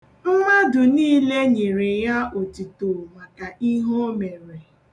Mmadụ niile nyere ya otito maka ihe o mere.